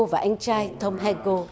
và anh trai thông hai ghô